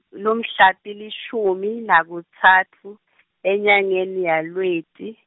lamuhla tilishumi, nakutsatfu , enyangeni yaLweti.